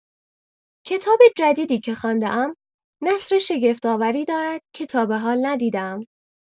کتاب جدیدی که خوانده‌ام، نثر شگفت‌آوری دارد که تا به حال ندیده‌ام.